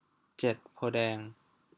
เจ็ดโพธิ์แดง